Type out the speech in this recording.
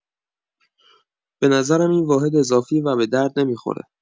به نظرم این واحد اضافیه و به درد نمی‌خوره